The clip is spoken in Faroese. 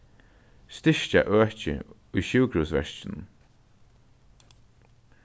styrkja økið í sjúkrahúsverkinum